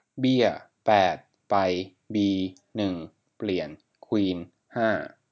เบี้ยแปดไปบีหนึ่งเปลี่ยนควีนห้า